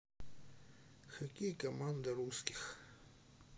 хоккей команда русских